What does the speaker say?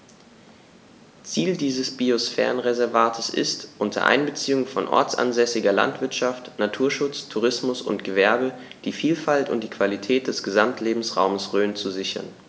Ziel dieses Biosphärenreservates ist, unter Einbeziehung von ortsansässiger Landwirtschaft, Naturschutz, Tourismus und Gewerbe die Vielfalt und die Qualität des Gesamtlebensraumes Rhön zu sichern.